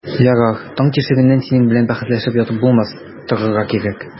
Ярар, таң тишегеннән синең белән бәхәсләшеп ятып булмас, торырга кирәк.